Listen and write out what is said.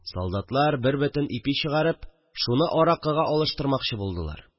Солдатлар бер бөтен ипи чыгарып, шуны аракыга алыштырмакчы булдылар